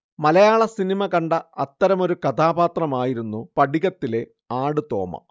മലയാളസിനിമ കണ്ട അത്തരമൊരു കഥാപാത്രമായിരുന്നു 'സ്ഫടിക'ത്തിലെ ആടുതോമ